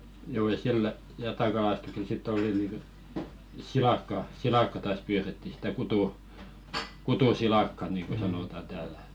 juu ja sillä jatakalastuksella sitten oli niin kuin silakkaa silakkaa taas pyydettiin sitä - kutusilakkaa niin kuin sanotaan täällä että